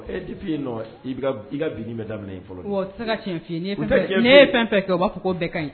Ee depuis yen nɔ ,i bɛ ka ,i ka bin bɛ daminɛ in fɔlɔ, wa o tɛ se ka tiɲɛ fɔ i ye, ne ye fɛn fɛn kɛ ,o b'a fɔ k'o bɛɛ kaɲi